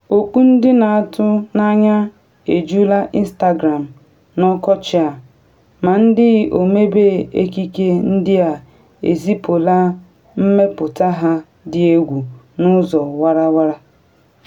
Okpu ndị na atụ n’anya ejula Instagram n’ọkọchị a, ma ndị ọmebe ekike ndị a ezipula mmepụta ha dị egwu n’ụzọ warawara.